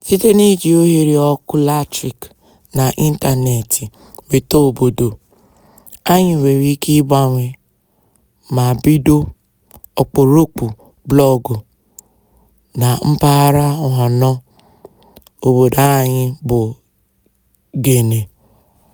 Site na iji ohere ọkụ latrịk na ịntanetị nweta obodo, anyị nwere ike igbanwe ma bido ọkpụrụkpụ blọọgụ na mpaghara anọ obodo anyị bụ Guinea.